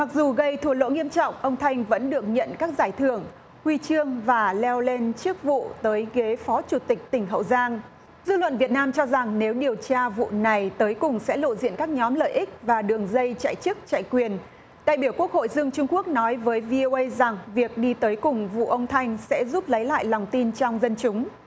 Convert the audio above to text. mặc dù gây thua lỗ nghiêm trọng ông thanh vẫn được nhận các giải thưởng huy chương và leo lên chức vụ tới ghế phó chủ tịch tỉnh hậu giang dư luận việt nam cho rằng nếu điều tra vụ này tới cùng sẽ lộ diện các nhóm lợi ích và đường dây chạy chức chạy quyền đại biểu quốc hội dương trung quốc nói với vi ô ây rằng việc đi tới cùng vụ ông thanh sẽ giúp lấy lại lòng tin trong dân chúng